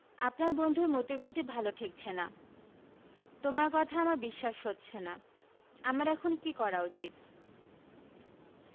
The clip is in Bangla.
আপনার বন্ধুর মতিগতি ভাল ঠেকছে না তোমার কথা আমার বিশ্বাস হচ্ছে না আমার এখন কী করা উচিত